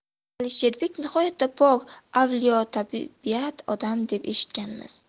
alisherbek nihoyatda pok avliyotabiat odam deb eshitganmiz